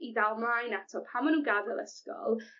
i ddal mlaen ato pan ma' nw'n gadel ysgol